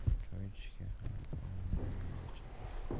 choy ichishga ham unamay yo'lga chiqdi